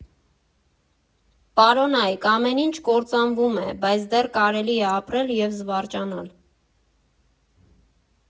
Պարոնա՛յք, ամեն ինչ կործանվում Է, բայց դեռ կարելի Է ապրել և զվարճանալ։